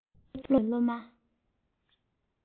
སློབ ཐོན སློབ མ